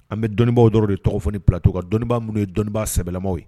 An bɛ dɔnniibawɔrɔ de tɔgɔ kunnafonilacogoka dɔnniibaa minnu ye dɔnniibaa sɛbɛɛlɛma ye